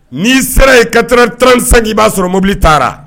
N'i sera yen 4 heures 35 i b'a sɔrɔ mobili taara